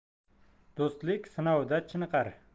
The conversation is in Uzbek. do'stlik sinovda chiniqar